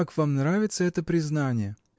как вам нравится это признание?.